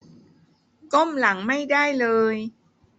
ก้มหลังไม่ได้เลย